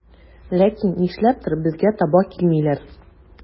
Ләкин нишләптер безгә таба килмиләр.